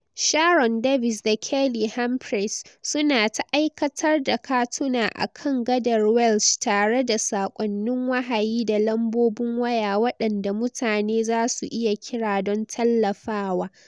Sharon Davis da Kelly Humphreys su na ta aikatar da katuna a kan gadar Welsh tare da sakonnin wahayi da lambobin waya waɗanda mutane zasu iya kira don tallafawa.